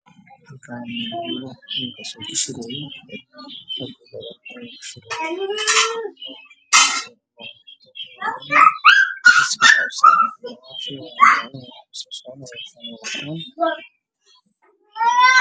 Meeshan waa meel lay joogaan niman farabadan saddexda nin loogu soo horreyso waxay wataan shati buluuga